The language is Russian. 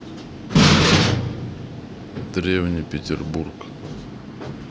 древний петербург